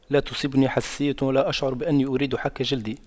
لا تصبني حساسية ولا أشعر بأني أريد حك جلدي